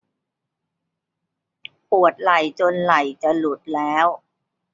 ปวดไหล่จนไหล่จะหลุดแล้ว